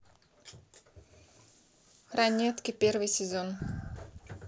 ранетки первый сезон